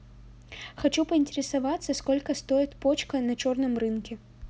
хочу поинтересоваться сколько стоит почка на черном рынке